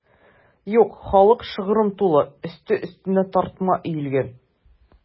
Юк, халык шыгрым тулы, өсте-өстенә тартма өелгән.